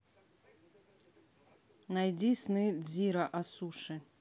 найди сны дзиро о суши